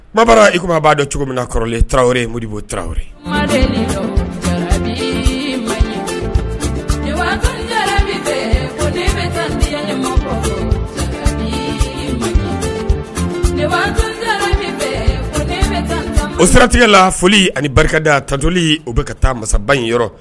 Ba i kuma b'a dɔn cogo min na kɔrɔlen taraweleɔri ye moribo t tarawele o siratigɛ la foli ani barika tajli o bɛka ka taa masaba in yɔrɔ